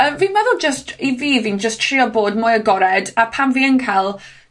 Yym fi'n meddwl jyst i fi, fi'n jyst trio bod mwy agored, a pan fi yn ca'l